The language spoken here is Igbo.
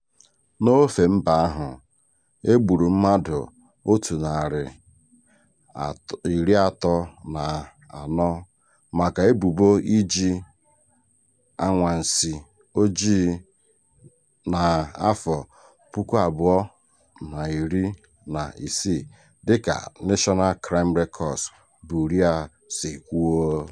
N'ofe mba ahụ, e gburu mmadụ 134 maka ebubo iji "anwansi ojii" na 2016, dịka National Crime Records Bureau si kwuo.